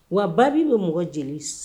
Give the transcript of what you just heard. Wa babi be mɔgɔ jeli s